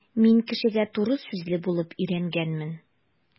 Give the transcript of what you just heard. Мин кешегә туры сүзле булып өйрәнгәнмен.